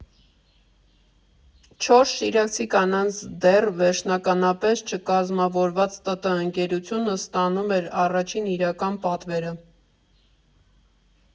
Չորս շիրակցի կանանց դեռ վերջնականապես չկազմավորված ՏՏ ընկերությունը ստանում էր առաջին իրական պատվերը։